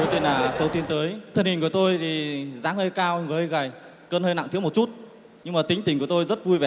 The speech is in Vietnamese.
tôi tên là tô tiến tới thân hình của tôi thì dáng hơi cao người hơi gầy cân hơi nặng thiếu môt chút nhưng tính tình của tôi rất vui vẻ